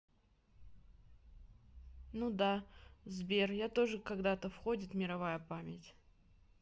ну да сбер я тоже когда то входит мировая память